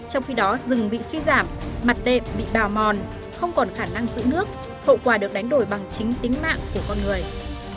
trong khi đó rừng bị suy giảm mặt đệm bị bào mòn không còn khả năng giữ nước hậu quả được đánh đổi bằng chính tính mạng của con người